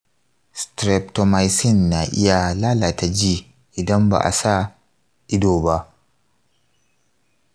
streptomycin na iya lalata ji idan ba a sa ido ba.